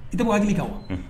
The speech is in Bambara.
I tɛ hakilikaw